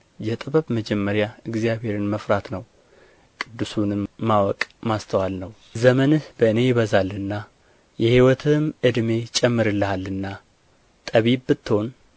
የጥበብ መጀመሪያ እግዚአብሔርን መፍራት ነው ቅዱሱንም ማወቅ ማስተዋል ነው ዘመንህ በእኔ ይበዛልና የሕይወትህም ዕድሜ ይጨመርልሃልና ጠቢብ ብትሆን